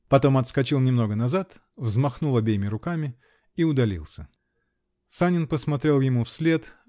Потом отскочил немного назад, взмахнул обеими руками -- и удалился. Санин посмотрел ему вслед.